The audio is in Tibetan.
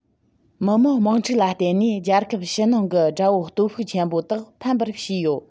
མི དམངས དམག འཁྲུག ལ བརྟེན ནས རྒྱལ ཁབ ཕྱི ནང གི དགྲ བོ སྟོབས ཤུགས ཆེན པོ དག ཕམ པར བྱས ཡོད